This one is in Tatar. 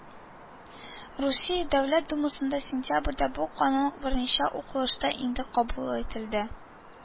Русия Дәүләт Думасында сентябрьдә бу канун беренче укылышта инде кабул ителде